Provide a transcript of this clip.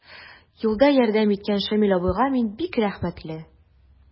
Юлда ярдәм иткән Шамил абыйга мин бик рәхмәтле.